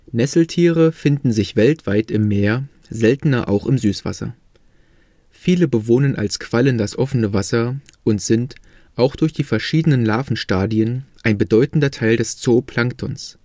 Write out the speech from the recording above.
Nesseltiere finden sich weltweit im Meer, seltener auch im Süßwasser. Viele bewohnen als Quallen das offene Wasser und sind, auch durch die verschiedenen Larvenstadien, ein bedeutender Teil des Zooplanktons